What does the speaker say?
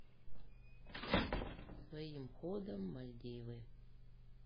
своим ходом мальдивы